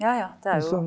ja ja det er jo.